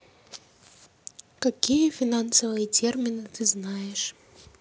какие финансовые термины ты знаешь